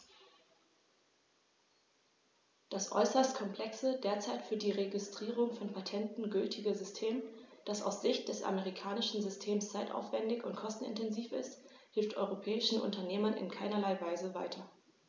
Das äußerst komplexe, derzeit für die Registrierung von Patenten gültige System, das aus Sicht des amerikanischen Systems zeitaufwändig und kostenintensiv ist, hilft europäischen Unternehmern in keinerlei Weise weiter.